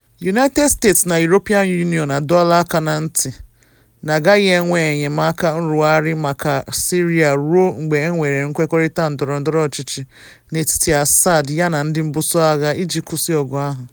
United States na European Union adọọla aka na ntị na agaghị enwe enyemaka nrụgharị maka Syria ruo mgbe enwere nkwekọrịta ndọrọndọrọ ọchịchị n’etiti Assad yana ndị mbuso agha iji kwụsị ọgụ ahụ.